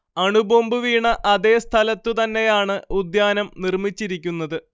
അണുബോംബ് വീണ അതേ സ്ഥലത്തു തന്നെയാണ് ഉദ്യാനം നിർമ്മിച്ചിരിക്കുന്നത്